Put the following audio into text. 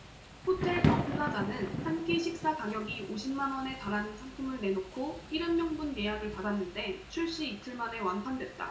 호텔 더 플라자는 한 끼 식사 가격이 오십 만원에 달하는 상품을 내놓고 일흔 명분 예약을 받았는데 출시 이틀 만에 완판됐다